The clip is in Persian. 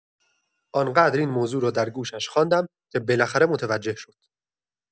آن‌قدر این موضوع را در گوشش خواندم که بالاخره متوجه شد.